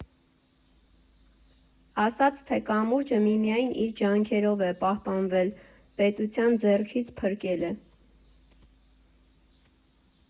Ասաց, թե կամուրջը միմիայն իր ջանքերով է պահպանվել, պետության ձեռքից փրկել է։